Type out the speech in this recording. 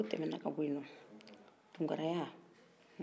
n'o tɛmɛna ka bɔ ye nɔn tunkara ya